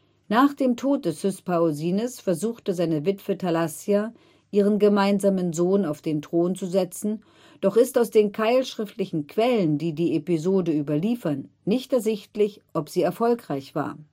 Nach dem Tod des Hyspaosines versuchte seine Witwe Thalassia ihren gemeinsamen Sohn auf den Thron zu setzten, doch ist aus den keilschriftlichen Quellen, die die Episode überliefern, nicht ersichtlich, ob sie erfolgreich war